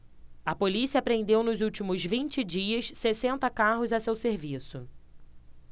a polícia apreendeu nos últimos vinte dias sessenta carros a seu serviço